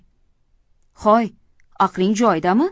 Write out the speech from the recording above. hoy aqling joyidami